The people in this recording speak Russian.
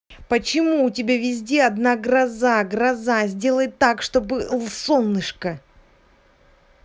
почему у тебя везде одна гроза гроза сделай так чтобы л солнышко